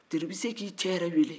tari u bɛ se k'i cɛ yɛrɛ wele